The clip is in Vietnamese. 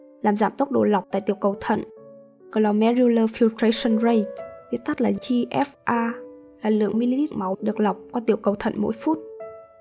làm giảm tốc độ lọc viết tắt là gfr là lượng ml máu được lọc qua cầu thận mỗi phút